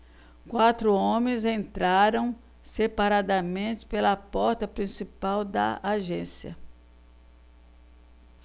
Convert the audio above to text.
quatro homens entraram separadamente pela porta principal da agência